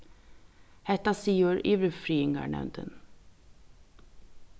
hetta sigur yvirfriðingarnevndin